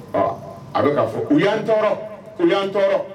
Ɔ a bɛ kaa fɔ u yan tɔɔrɔ ko yan tɔɔrɔ